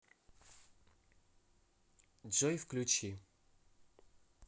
джой включи